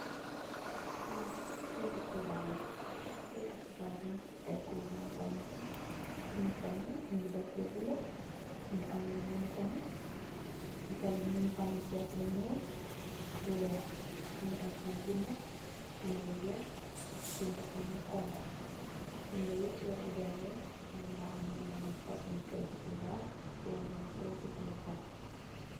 Li nak kayetu kibaar la, kayetu kibaar bi nak ay gòor nyo fa nekka. Ku nekka ni mungi deff lu bulo, mungi am lu ñuul tamit ak tamit nung fa deff lu ñuul, bu weeh. Mungi am ay binda, binda yu weeh ak binda tamit yu honku. Binda yi soko jàngay daga ham li ban fasung ngi kayetu kibaar ak lan leen koy jafadeko.